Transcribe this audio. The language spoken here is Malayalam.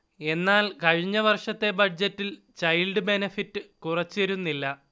എന്നാൽ കഴിഞ്ഞ വർഷത്തെ ബഡ്ജറ്റിൽ ചൈൽഡ് ബെനഫിറ്റ് കുറച്ചിരുന്നില്ല